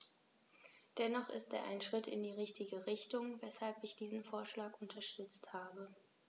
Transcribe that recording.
Dennoch ist er ein Schritt in die richtige Richtung, weshalb ich diesen Vorschlag unterstützt habe.